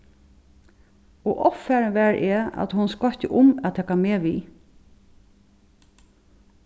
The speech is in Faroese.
og ovfarin var eg at hon skoytti um at taka meg við